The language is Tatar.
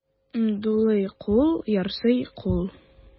Дулый күл, ярсый күл.